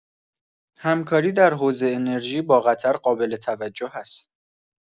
همکاری در حوزه انرژی با قطر قابل‌توجه است.